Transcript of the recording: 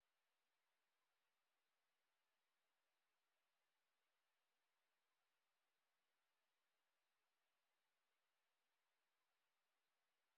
Halkaan waxaa ka muuqdo arday imtixaan ku jiraan oo waraaqado miiska u saaran yahay dharka ay qabaan waa gabdha waxay qabaan hijaab iyo saako cadays ah wiilashana waxay qabaan shaati cadaan iyo surwaal cadays ah